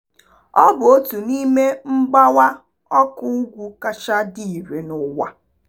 Ọ bụ otu n'ime mgbawa ọkụ ugwu kacha dị irè n'ụwa.